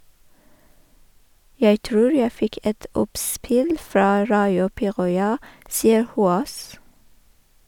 - Jeg tror jeg fikk et oppspill fra Raio Piiroja, sier Hoås.